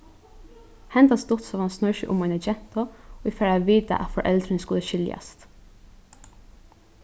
hendan stuttsøgan snýr seg um eina gentu ið fær at vita at foreldrini skulu skiljast